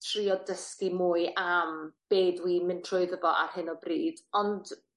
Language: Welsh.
trio dysgu mwy am be' dwi'n mynd trwyddo fo ar hyn o bryd ond